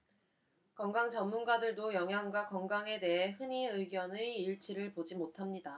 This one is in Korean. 건강 전문가들도 영양과 건강에 대해 흔히 의견의 일치를 보지 못합니다